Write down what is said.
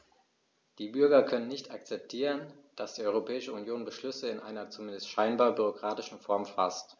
Die Bürger können nicht akzeptieren, dass die Europäische Union Beschlüsse in einer, zumindest scheinbar, bürokratischen Form faßt.